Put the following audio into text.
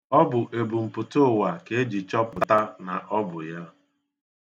Ọ bụ ebumputụụwa ka e ji chọpụta na ọ bụ ya.